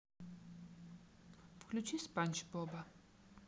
включи спанч боба